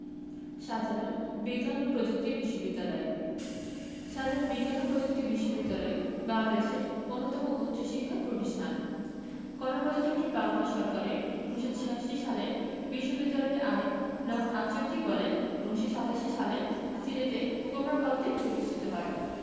শাহ্জালাল বিজ্ঞান ও প্রযুক্তি বিশ্ববিদ্যালয় শাহ্জালাল বিজ্ঞান ও প্রযুক্তি বিশ্ববিদ্যালয় বাংলাদেশের অন্যতম উচ্চশিক্ষা প্রতিষ্ঠান গণপ্রজাতন্ত্রী বাংলাদেশ সরকারের ১৯৮৬ সালের বিশ্ববিদ্যালয় আইন নং ৬৮ বলে ১৯৮৭ সালে সিলেটের কুমারগাঁওতে প্রতিষ্ঠিত হয়